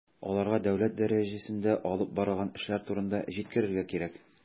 Аларга дәүләт дәрәҗәсендә алып барылган эшләр турында җиткерергә кирәк.